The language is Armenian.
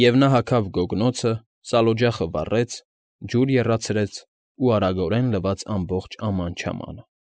Եվ նա հագավ գոգնոցը, սալօջախը վառեց, ջուր եռացրեց ու արագորեն լվաց ամբողջ աման֊չամանը։